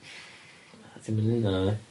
Na, dim yn neud ynna o'dd e.